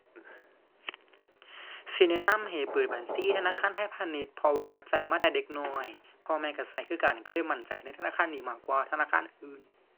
สิแนะนำให้เปิดบัญชีธนาคารไทยพาณิชย์ เพราะว่าใช้มาแต่เด็กน้อย พ่อแม่ใช้ใช้คือกันใช้เลยมั่นใจในธนาคารนี้มากกว่าธนาคารอื่น